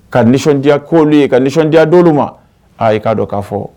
Ka nisɔndiyaya ko ye ka nisɔndiyaya don ma aa i k'a dɔn k'a fɔ